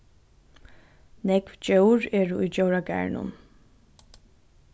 nógv djór eru í djóragarðinum